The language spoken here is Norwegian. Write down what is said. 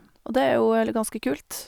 Og det er jo egentlig ganske kult.